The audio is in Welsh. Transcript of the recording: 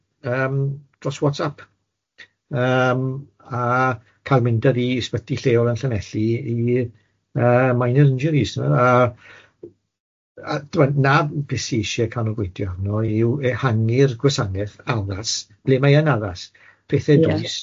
yym dros WhatsApp yym a ca'l mynd a ddi i ysbyty lleol yn Llanelli i yy minor injuries a a ti'mod 'na beth sy isie canolbwynio arno yw ehangu'r gwasanaeth addas ble mae yn addas, pethe dwys... Ie...